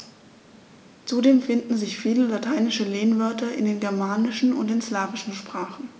Zudem finden sich viele lateinische Lehnwörter in den germanischen und den slawischen Sprachen.